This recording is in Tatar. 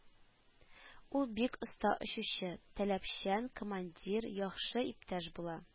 Ул бик оста очучы, таләпчән командир, яхшы иптәш була